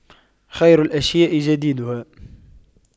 خير الأشياء جديدها